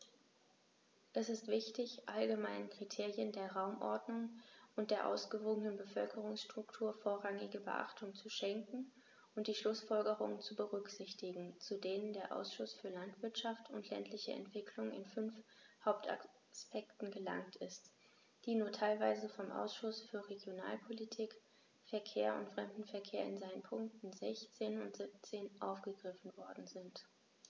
Es ist wichtig, allgemeinen Kriterien der Raumordnung und der ausgewogenen Bevölkerungsstruktur vorrangige Beachtung zu schenken und die Schlußfolgerungen zu berücksichtigen, zu denen der Ausschuss für Landwirtschaft und ländliche Entwicklung in fünf Hauptaspekten gelangt ist, die nur teilweise vom Ausschuss für Regionalpolitik, Verkehr und Fremdenverkehr in seinen Punkten 16 und 17 aufgegriffen worden sind.